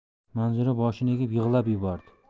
manzura boshini egib yig'lab yubordi